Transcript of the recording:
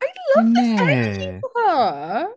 I love the energy of her.